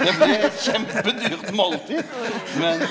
det ble eit kjempedyrt måltid men